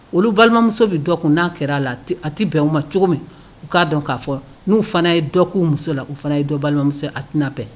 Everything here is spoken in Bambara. Olu balimamuso bɛ dɔ kun n'a kɛra la a tɛ bɛn u ma cogo min u k'a dɔn k'a fɔ n'u fana ye dɔ k'u muso la u fana ye dɔ balimamuso a tɛnainaa bɛɛ